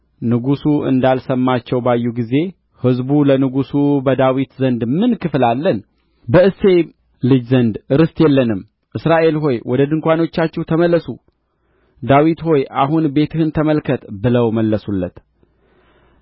ንጉሡ እንዳልሰማቸው ባዩ ጊዜ ሕዝቡ ለንጉሡ በዳዊት ዘንድ ምን ክፍል አለን በእሴይም ልጅ ዘንድ ርስት የለንም እስራኤል ሆይ ወደ ድንኳኖቻችሁ ተመለሱ ዳዊት ሆይ አሁን ቤትህን ተመልከት ብለው መለሱለት